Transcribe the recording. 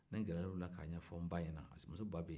n gɛrɛl'u la ka ɲɛfɔ n ba ɲɛna parce que muso ba bɛ yen